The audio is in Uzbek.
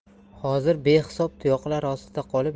hozir behisob tuyoqlar ostida qolib